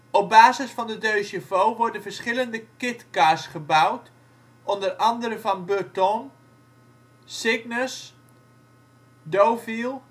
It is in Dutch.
Op basis van de 2CV worden verschillende kitcars gebouwd, onder andere van Burton, Cygnus, Deauville